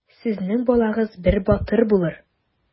Сезнең балагыз бер батыр булыр.